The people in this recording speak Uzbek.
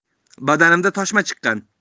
badanimda toshma chiqqan